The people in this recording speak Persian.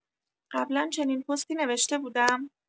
قبلا چنین پستی نوشته بودم؟